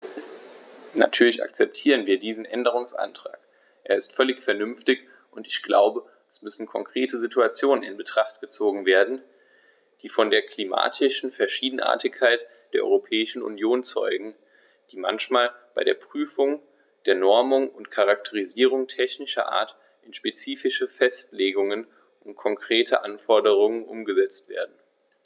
Natürlich akzeptieren wir diesen Änderungsantrag, er ist völlig vernünftig, und ich glaube, es müssen konkrete Situationen in Betracht gezogen werden, die von der klimatischen Verschiedenartigkeit der Europäischen Union zeugen, die manchmal bei der Prüfung der Normungen und Charakterisierungen technischer Art in spezifische Festlegungen und konkrete Anforderungen umgesetzt werden.